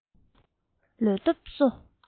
ལུས སྟོབས གསོ